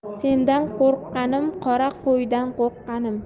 sendan qo'rqqanim qora qo'ydan qo'rqqanim